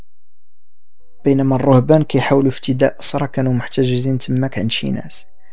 بن مره بن كحول في عصر كانوا محتجزين في مكان شيء ناس